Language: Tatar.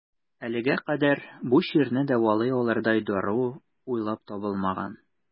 Әлегә кадәр бу чирне дәвалый алырдай дару уйлап табылмаган.